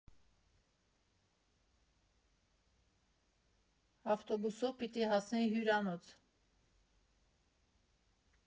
Ավտոբուսով պիտի հասնեի հյուրանոց։